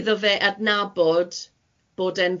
Iddo fe adnabod bod e'n ddogfen